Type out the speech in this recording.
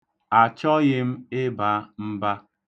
Achọghị m ịba mba.